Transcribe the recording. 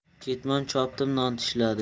ketmon chopdim non tishladim